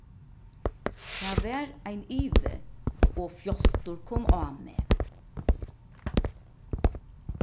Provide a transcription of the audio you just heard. tað var ein ivi og fjáltur kom á meg